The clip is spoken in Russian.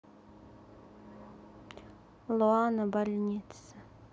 луана больница